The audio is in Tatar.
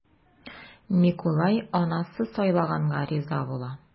Микулай анасы сайлаганга риза була.